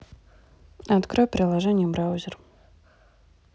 открой приложение браузер